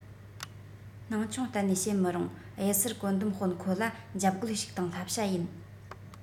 སྣང ཆུང གཏན ནས བྱེད མི རུང གཡུལ སར བཀོད འདོམས དཔོན ཁོ ལ འཇབ རྒོལ ཞིག དང བསླབ བྱ ཡིན